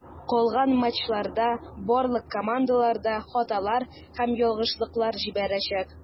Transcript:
Калган матчларда барлык командалар да хаталар һәм ялгышлыклар җибәрәчәк.